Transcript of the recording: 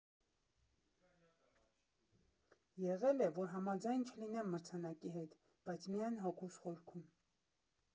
Եղել է, որ համաձայն չլինեմ մրցանակի հետ, բայց՝ միայն հոգուս խորքում։